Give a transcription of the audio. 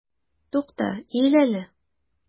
Тукта, иел әле!